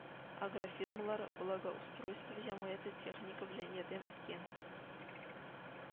Агрофирмалар, Благоустройство җәмгыяте техника белән ярдәм иткән